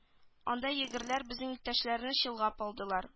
Анда егерьләр безнең иптәшләрне чолгап алдылар